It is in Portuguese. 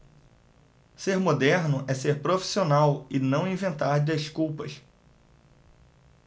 ser moderno é ser profissional e não inventar desculpas